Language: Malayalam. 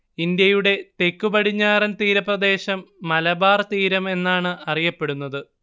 ഇന്ത്യയുടെ തെക്കുപടിഞ്ഞാറൻ തീരപ്രദേശം മലബാർ തീരം എന്നാണ് അറിയപ്പെടുന്നത്